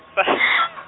wesifa- .